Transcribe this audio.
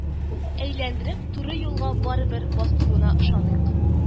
Әйләндереп, туры юлга барыбер бастыруына ышаныйк